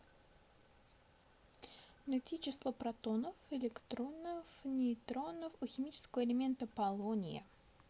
найти число протонов электронов нейтронов у химического элемента полония